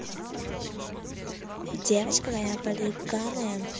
девочка моя полигонная